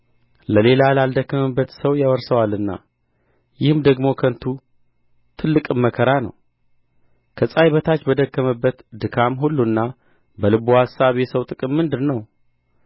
ለሌላ ላልደከመበት ሰው ያወርሰዋልና ይህም ደግሞ ከንቱ ትልቅም መከራ ነው ከፀሐይ በታች በደከመበት ድካም ሁሉና በልቡ አሳብ የሰው ጥቅም ምንድር ነው